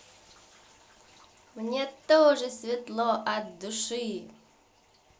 мне тоже светло от души